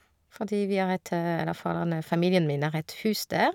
Fordi vi har et eller foreldrene familien min har et hus der.